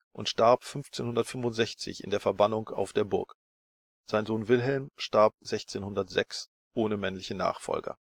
und starb 1565 in der Verbannung auf der Burg. Sein Sohn Wilhelm starb 1606 ohne männlichen Nachfolger